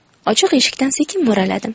ochiq eshikdan sekin mo'raladim